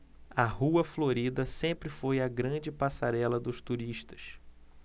a rua florida sempre foi a grande passarela dos turistas